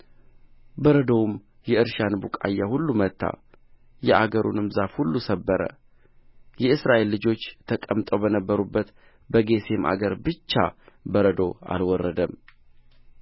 በረዶውም የእርሻን ቡቃያ ሁሉ መታ የአገሩንም ዛፍ ሁሉ ሰበረ የእስራኤል ልጆች ተቀምጠው በነበሩባት በጌሤም አገር ብቻ በረዶ አልወረደም